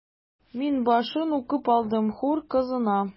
Мин башын укып алдым: “Хур кызына”.